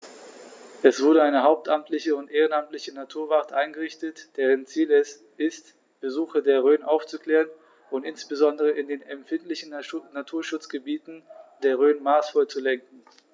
Es wurde eine hauptamtliche und ehrenamtliche Naturwacht eingerichtet, deren Ziel es ist, Besucher der Rhön aufzuklären und insbesondere in den empfindlichen Naturschutzgebieten der Rhön maßvoll zu lenken.